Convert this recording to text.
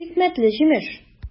Хикмәтле җимеш!